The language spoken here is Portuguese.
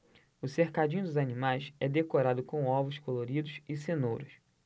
o cercadinho dos animais é decorado com ovos coloridos e cenouras